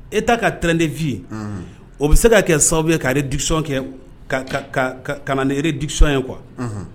E t ta ka tden fɔi ye o bɛ se ka kɛ sababu ye ka disɔn kɛ nare disɔn ye kuwa